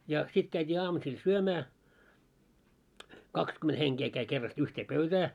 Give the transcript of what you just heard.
ja sitten käytiin aamusilla syömään kaksikymmentä henkeä kävi kerrasta yhteen pöytään